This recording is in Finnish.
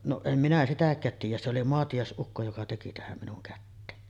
no en minä sitäkään tiedä se oli maatiaisukko joka teki tähän minun käteen